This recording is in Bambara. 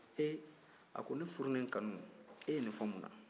ee a ko ne furu ni n kanu e ye nin fɔ mun na